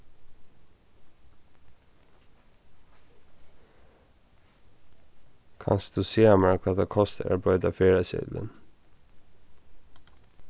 kanst tú siga mær hvat tað kostar at broyta ferðaseðilin